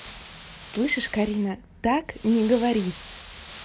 слышишь карина так не говори